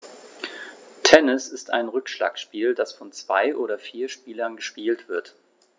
Tennis ist ein Rückschlagspiel, das von zwei oder vier Spielern gespielt wird.